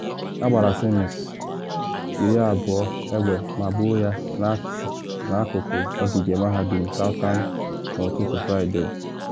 Agbara Sims, 20 egbe ma gbuo ya n’akụkụ ogige Mahadum Southern n’ụtụtụ Fraịde.